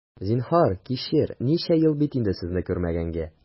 Зинһар, кичер, ничә ел бит инде сезне күрмәгәнгә!